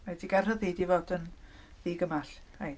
Rhaid ti gael rhyddid i fod yn ddigymell, rhaid.